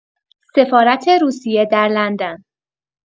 سفارت روسیه در لندن